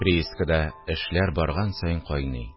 Приискада эшләр барган саен кайный